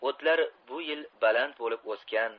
o'tlar bu yil baland bo'lib o'sgan